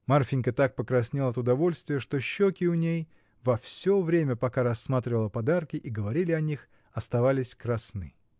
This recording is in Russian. Марфинька так покраснела от удовольствия, что щеки у ней во всё время, пока рассматривали подарки и говорили о них, оставались красны.